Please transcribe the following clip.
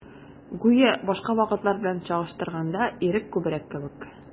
Гүя башка вакытлар белән чагыштырганда, ирек күбрәк кебек.